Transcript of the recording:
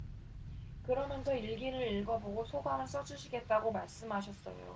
그러면서 일기를 읽어 보고 소감을 써 주시겠다고 말씀하셨어요